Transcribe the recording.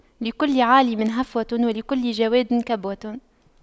لكل عالِمٍ هفوة ولكل جَوَادٍ كبوة